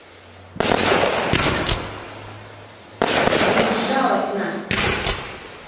безжалостно